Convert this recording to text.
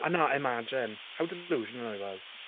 Oh no, imagine, how delusional I was.